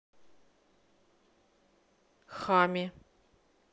хами